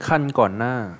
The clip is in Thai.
ขั้นก่อนหน้า